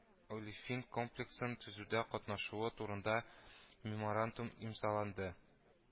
Олефин комплексын төзүдә катнашуы турында меморандум имзаланды